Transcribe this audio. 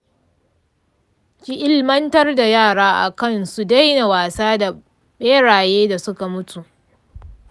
ki ilimantar da yara akan su daina wasa da berayen da suka mutu.